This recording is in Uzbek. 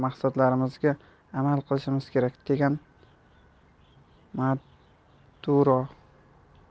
maqsadlarimizga amal qilishimiz kerak degan maduro